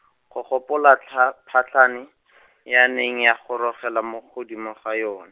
go gopola tlha- phatane , e a neng a gorogela mo godimo ga yone.